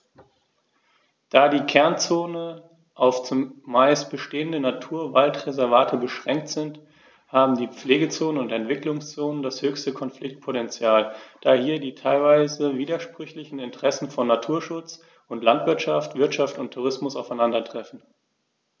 Da die Kernzonen auf – zumeist bestehende – Naturwaldreservate beschränkt sind, haben die Pflegezonen und Entwicklungszonen das höchste Konfliktpotential, da hier die teilweise widersprüchlichen Interessen von Naturschutz und Landwirtschaft, Wirtschaft und Tourismus aufeinandertreffen.